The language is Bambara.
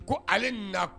Ko ale na